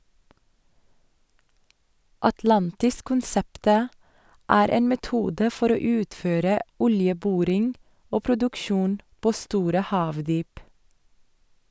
Atlantis-konseptet er en metode for å utføre oljeboring og produksjon på store havdyp.